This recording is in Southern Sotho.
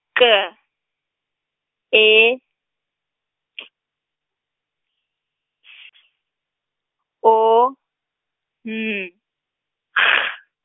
K, E, T, S, O, N, G.